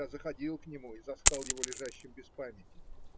Я заходил к нему и застал его лежащим без памяти.